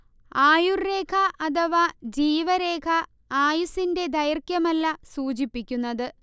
ആയുർരേഖ അഥവാ ജീവരേഖ ആയുസ്സിന്റെ ദൈർഘ്യമല്ല സൂചിപ്പിക്കുന്നത്